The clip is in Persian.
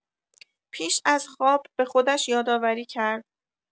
پیش از خواب به خودش یادآوری کرد.